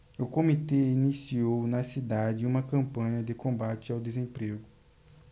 o comitê iniciou na cidade uma campanha de combate ao desemprego